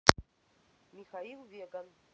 михаил веган